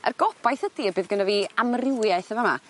Y gobaith ydi y bydd gynno fi amrywiaeth yn fa' 'ma.